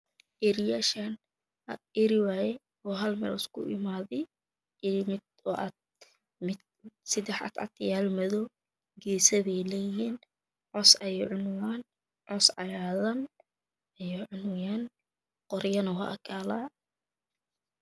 Waa ari hal meel iskugu imaadey waa seddex cad cad iyo hal madow geeso ayey leeyihiin. caws cagaaran ayey cunoyaan qoryana way agyaalaan.